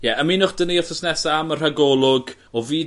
Ie ymunwch 'da ni wthnos nesa am y rhagolwg o fi...